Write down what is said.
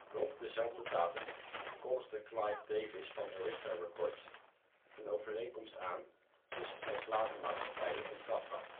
Rond dezelfde datum kondigde Clive Davis van Arista Records een overeenkomst aan tussen zijn platenmaatschappij en TAFKAP